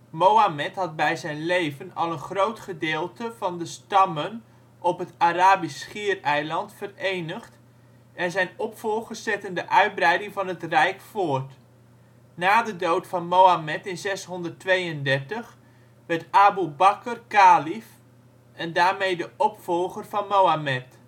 Mohammed had bij zijn leven al een groot gedeelte van de stammen op het Arabisch Schiereiland verenigd en zijn opvolgers zetten de uitbreiding van het rijk voort. Na de dood van Mohammed in 632 werd Aboe Bakr kalief en daarmee de opvolger van Mohammed